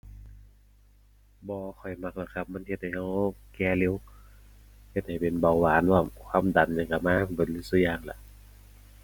บ่ค่อยมักแล้วครับ มันเฮ็ดให้เราแก่เร็ว เฮ็ดให้เป็นเบาหวานพร้อม ความดันนี่เรามานำเบิดซุอย่างล่ะ